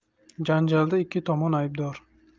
janjalda ikki tomon aybdor